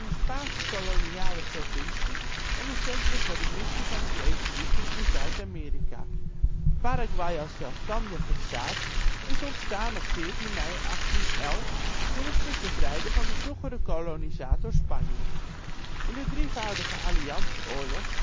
Spaanse koloniale provincie en een centrum voor de missie van de jezuïeten in Zuid-Amerika. Paraguay als zelfstandige staat is ontstaan op 14 mei 1811 toen het zich bevrijdde van de vroegere kolonisator Spanje. In de drievoudige alliantie oorlog